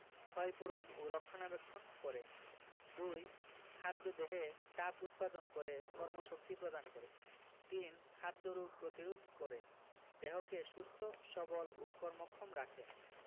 ক্ষয়পূরণ ও রক্ষণাবেক্ষণ করে ২. খাদ্য দেহে তাপ উৎপাদন করে কর্মশক্তি প্রদান করে ৩. খাদ্য রোগ প্রতিরোধ করে দেহকে সুস্থ সবল এবং কর্মক্ষম রাখে